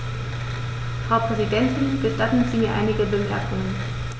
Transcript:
Frau Präsidentin, gestatten Sie mir einige Bemerkungen.